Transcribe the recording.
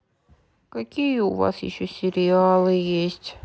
какие у вас еще сериалы есть